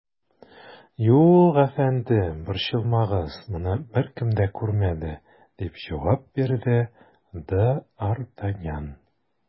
Юк, әфәндем, борчылмагыз, моны беркем дә күрмәде, - дип җавап бирде д ’ Артаньян.